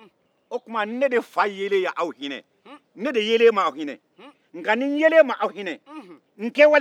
ne de yelen ma aw hinɛ hun nka ni n yelen ma aw hinɛ n kɛwalen b'aw hinɛ sisan